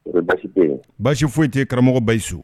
Basi foyi tɛ karamɔgɔ basisu